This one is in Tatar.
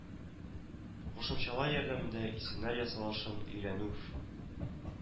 Кушымчалар ярдәмендә исемнәр ясалышын өйрәнү Ф